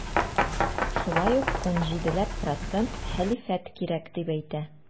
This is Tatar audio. Шулай ук 17 ләп процент хәлифәт кирәк дип әйтә.